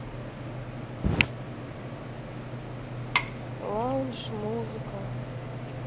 лаунж музыка